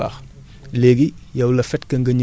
léegi loolu noonu dëgër ci kaw suuf si